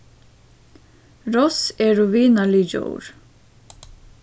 ross eru vinarlig djór